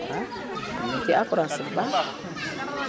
waaw am na ñu ciy encouragé bu baax